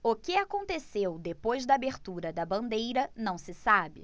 o que aconteceu depois da abertura da bandeira não se sabe